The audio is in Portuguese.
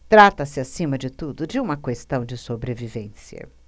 trata-se acima de tudo de uma questão de sobrevivência